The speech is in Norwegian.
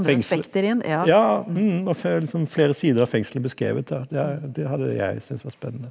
fengsel ja ja liksom flere sider av fengselet beskrevet da, det er det hadde jeg syns var spennende.